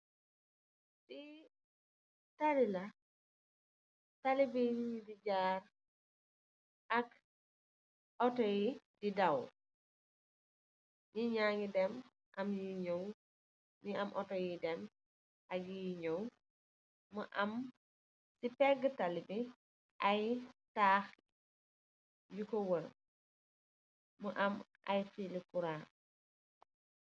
Fii taly la, taly bi niinyi di jaar ak ooto yi di daw, niinya ngi dem am nyi nyaaw, mi am ooto yi dem ak yi nyaaw, mu am si pege taly bi ay taax yu ko warr, mu am ay fiili kura